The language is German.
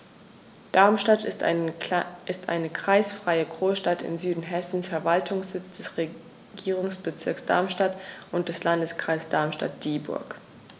Darmstadt ist eine kreisfreie Großstadt im Süden Hessens, Verwaltungssitz des Regierungsbezirks Darmstadt und des Landkreises Darmstadt-Dieburg.